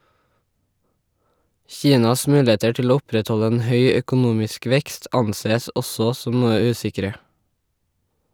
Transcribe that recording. Kinas muligheter til å opprettholde en høy økonomisk vekst ansees også som noe usikre.